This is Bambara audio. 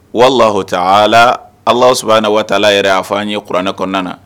Walahu taala Alahu subhana wataala yɛrɛ y'a fɔ an ye kuranɛ kɔnɔna na.